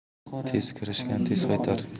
tez kirishgan tez qaytar